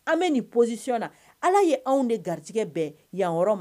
An bɛ nin pɔosisiɔn na ala y' anw de garijɛgɛ bɛɛ yan yɔrɔ ma